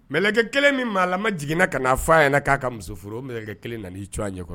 Mkɛ kelen min maa ma jiginna ka naa' ɲɛna k'a ka musokɛ kelen na ii cogoya an ɲɛ kɔnɔ